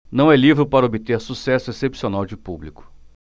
não é livro para obter sucesso excepcional de público